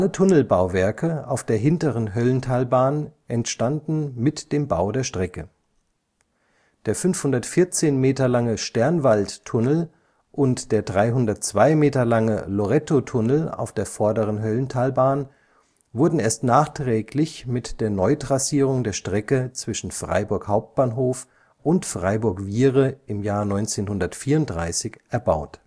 Tunnelbauwerke auf der Hinteren Höllentalbahn entstanden mit dem Bau der Strecke. Der 514 Meter lange Sternenwald-Tunnel und der 302 Meter lange Loretto-Tunnel auf der Vorderen Höllentalbahn wurde erst nachträglich mit der Neutrassierung der Strecke zwischen Freiburg Hauptbahnhof und Freiburg-Wiehre 1934 erbaut